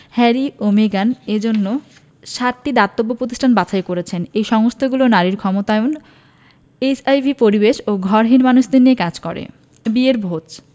Harry ও মেগান এ জন্য সাতটি দাতব্য প্রতিষ্ঠান বাছাই করেছেন এই সংস্থাগুলো নারীর ক্ষমতায়ন এইচআইভি পরিবেশ ও ঘরহীন মানুষদের নিয়ে কাজ করে বিয়ের ভোজ